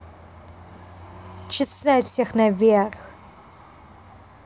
чесать всех наверх